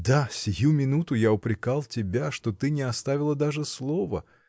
Да, сию минуту я упрекал тебя, что ты не оставила даже слова!